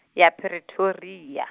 ya Pretoria.